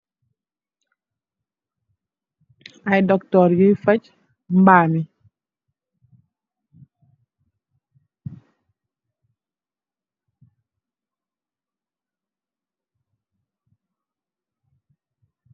Aye doctor yuy fatch mbam yi mbam yi danj am jangurah